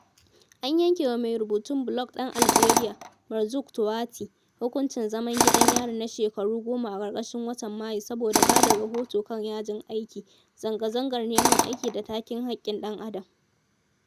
An yankewa mai rubutun blog ɗan Aljeriya, Merzoug Touati, hukuncin zaman gidan yari na shekaru goma a ƙarshen watan Mayu saboda ba da rahoto kan yajin aiki, zanga-zangar neman aiki da take haƙƙkin ɗan adam.